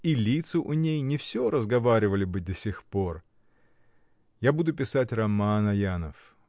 И лица у ней всё разговаривали бы до сих пор. Я буду писать роман, Аянов.